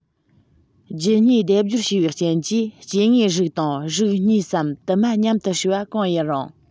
རྒྱུད གཉིས སྡེབ སྦྱོར བྱས པའི རྐྱེན གྱིས སྐྱེ དངོས རིགས དང རིགས གཉིས སམ དུ མ མཉམ དུ བསྲེས པ གང ཡིན རུང